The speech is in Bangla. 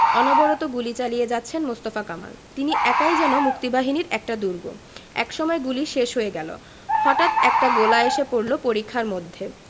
অনবরত গুলি চালিয়ে যাচ্ছেন মোস্তফা কামাল তিনি একাই যেন মুক্তিবাহিনীর একটা দুর্গ একসময় গুলি শেষ হয়ে গেল হটাঠ একটা গোলা এসে পড়ল পরিখার মধ্যে